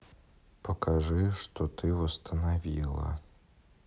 покажи что ты восстановила